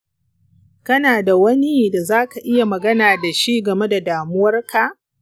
kana da wani da za ka iya magana da shi game da damuwarka?